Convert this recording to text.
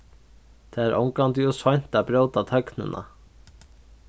tað er ongantíð ov seint at bróta tøgnina